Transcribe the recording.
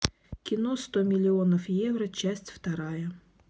кино сто миллионов евро часть вторая